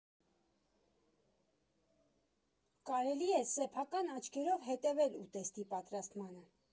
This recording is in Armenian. Կարելի է սեփական աչքերով հետևել ուտեստի պատրաստմանը։